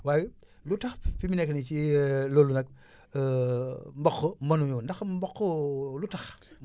waaye lu ax fi mu nekk nii si loolu nag mboq mënuñu ndax mboq lu tax